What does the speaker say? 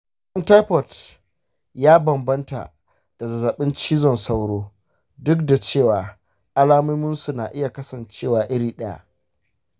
zazzabin taifot ya bambanta da zazzabin cizon sauro duk da cewa alamominsu na iya kasancewa iri ɗaya.